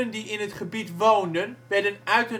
die in het gebied woonden werden uit